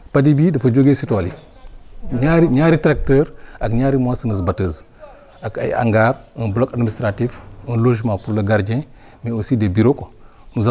padi bi dafa jugee si tool yi ñaaari ñaari tracteurs ak ñaari moissonneuses bateuses ak ay hangars un bloc administratif un logement pour le gardien mais aussi des bureaux quoi